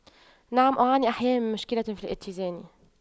نعم اعاني احيانا من مشكلة في الاتزان